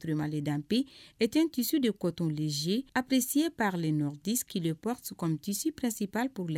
Ur danp ettisu de cot ze appiresie parlen nɔdi kilepsktisipresipl